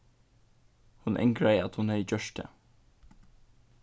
hon angraði at hon hevði gjørt tað